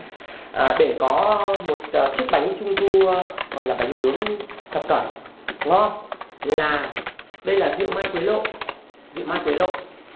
à để có một chiếc bánh trung thu gọi là bánh nướng thập cẩm ngon là đây là rượu mai quế lộ rượu mai quế lộ